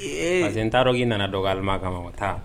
Ee parce que n t'a dɔn k'i nana dɔgɔyalima kama quoi taa